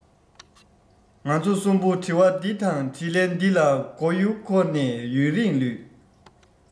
ང ཚོ གསུམ པོ དྲི བ འདི དང དྲིས ལན འདི ལ མགོ ཡུ འཁོར ནས ཡུན རིང ལུས